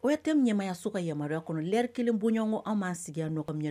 O ye tɛ ɲamamayaso ka yamaruya kɔnɔ lɛ kelen bɔɲɔgɔnɔn an b'a sigi ɲɔgɔn ɲɛ